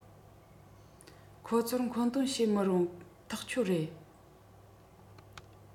ཁོང ཚོར མཁོ འདོན བྱེད མི རུང ཐག ཆོད རེད